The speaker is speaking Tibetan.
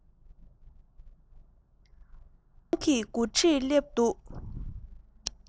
རྫོང གི མགོ ཁྲིད སླེབས འདུག